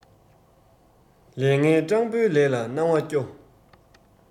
ལས ངན སྤྲང པོའི ལས ལ སྣང བ སྐྱོ